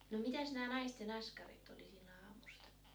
no mitäs nämä naisten askareet oli silloin aamusta